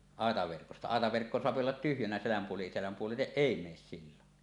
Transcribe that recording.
aitaverkosta aitaverkko saa olla tyhjänä selän - selän puolitse ei mene silloin